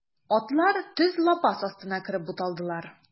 Атлар төз лапас астына кереп буталдылар.